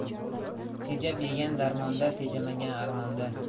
tejab yegan darmonda tejamagan armonda